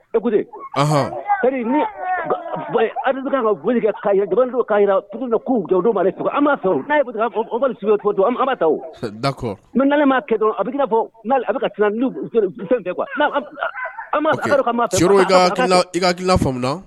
E ni an ka boli ka ka tu'uwuri taa da' ma kɛ dɔrɔn a bɛ a bɛ ka tila fɛ kuwala